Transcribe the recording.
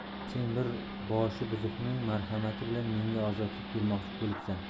sen bir boshi buzuqning marhamati bilan menga ozodlik bermoqchi bo'libsan